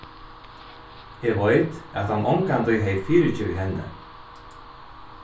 eg veit at hann ongantíð hevði fyrigivið henni